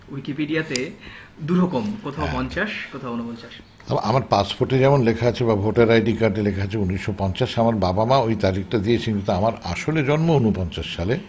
উইকিপিডিয়াতে দুরকম কোথাও পঞ্চাশ কোথা উনোপঞ্চাশ আমার পাসপোর্টে যেমন লেখা আছে বা ভোটার আইডি কার্ডে লেখা আছে উনিশ শত পঞ্চাশ আমার বাবা-মা ঐ তারিখ টা দিয়েছেন কিন্তু আমার আসলে জন্ম উনোপঞ্চাশ সালে